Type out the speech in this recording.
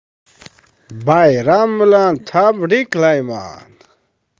bayram bilan tabriklayman